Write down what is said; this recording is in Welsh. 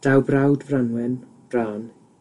Daw brawd Frannwen, Bran